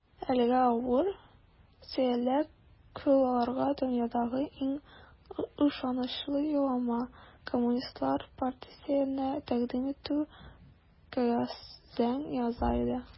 Әлеге авыр, сөялле кул аларга дөньядагы иң ышанычлы юллама - Коммунистлар партиясенә тәкъдим итү кәгазен яза иде.